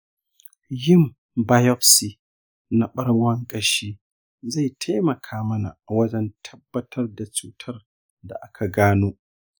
yin biopsy na ɓargon ƙashi zai taimaka mana wajen tabbatar da cutar da aka gano.